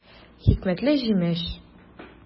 Хикмәтле җимеш!